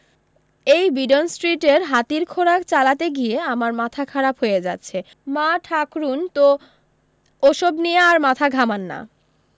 এই বিডন স্ট্রীটের হাতির খোরাক চালাতে গিয়ে আমার মাথা খারাপ হয়ে যাচ্ছে মা ঠাকরুন তো ওসব নিয়ে আর মাথা ঘামান না